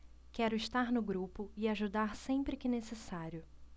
quero estar no grupo e ajudar sempre que necessário